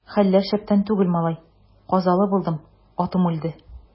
Хәлләр шәптән түгел, малай, казалы булдым, атым үлде.